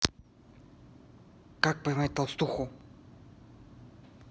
как поймать толстуху